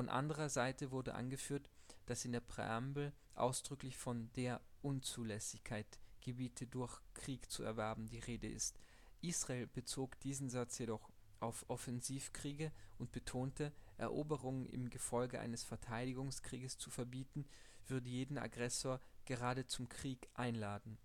anderer Seite wurde angeführt, dass in der Präambel ausdrücklich von „ der Unzulässigkeit, Gebiete durch Krieg zu erwerben” die Rede ist. Israel bezog diesen Satz jedoch auf Offensivkriege und betonte, Eroberungen im Gefolge eines Verteidigungskrieges zu verbieten würde jeden Agressor gerade zum Krieg einladen